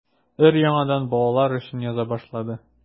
Өр-яңадан балалар өчен яза башлады.